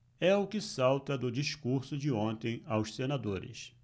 é o que salta do discurso de ontem aos senadores